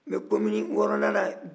n bɛ komini wɔɔrɔnan na